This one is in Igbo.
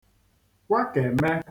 kwakème